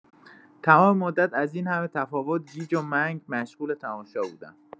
تمام مدت از این همه تفاوت، گیج و منگ مشغول تماشا بودم.